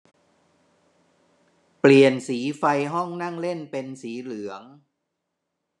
เปลี่ยนสีไฟห้องนั่งเล่นเป็นสีเหลือง